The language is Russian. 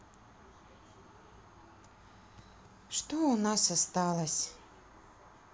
что у нас осталось